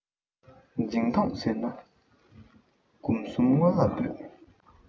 འཛིང ཐོངས ཟེར ན གོམས གསུམ སྔོན ལ སྤོས